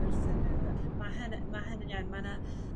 wrthyn n'w ma' hyn ma' hyn yn iawn ma' 'na